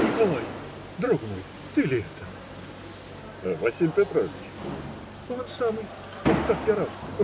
- Николай, друг мой! Ты ли это? - Василий Петрович? - Он самый. Ах, как я рад!